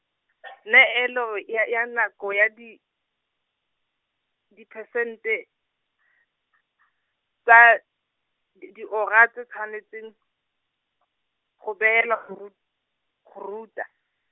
neelo ya ya nako ya di, diphesente , tsa, d- diura tse tshwanetseng , go beelwa go rut-, go ruta.